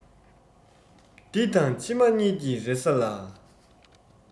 འདི དང ཕྱི མ གཉིས ཀྱི རེ ས ལ